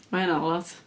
Ma' hynna'n lot.